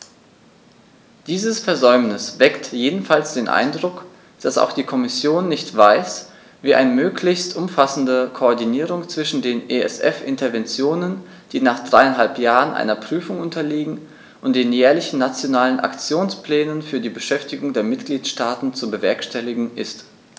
Dieses Versäumnis weckt jedenfalls den Eindruck, dass auch die Kommission nicht weiß, wie eine möglichst umfassende Koordinierung zwischen den ESF-Interventionen, die nach dreieinhalb Jahren einer Prüfung unterliegen, und den jährlichen Nationalen Aktionsplänen für die Beschäftigung der Mitgliedstaaten zu bewerkstelligen ist.